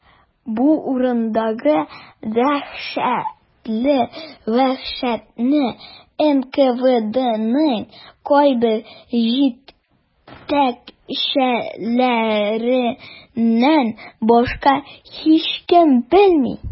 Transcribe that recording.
Бу урындагы дәһшәтле вәхшәтне НКВДның кайбер җитәкчеләреннән башка һичкем белми.